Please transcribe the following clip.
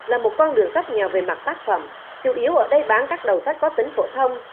là một con đường sắt nhiều về mặt tác phẩm chủ yếu ở đây bán các đầu sách có tính phổ thông